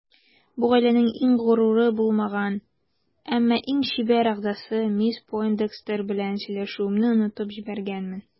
Бу гаиләнең иң горуры булмаган, әмма иң чибәр әгъзасы мисс Пойндекстер белән сөйләшүемне онытып җибәргәнмен.